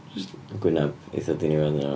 Jyst gwyneb, eitha diniwed ganddo fo.